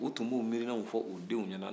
u tun b'u miirinaw fɔ u denw ɲɛna